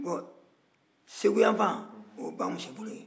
bon seguyanfan o ye ba musobolo ye